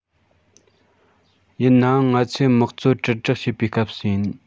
ཡིན ནའང ང ཚོས དམངས གཙོ དྲིལ བསྒྲགས བྱེད པའི སྐབས སུ ཡིན